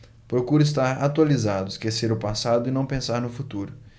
procuro estar atualizado esquecer o passado e não pensar no futuro